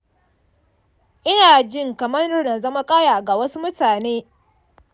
ina jin kamar na zama kaya ga wasu mutane.